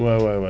waaw waaw waaw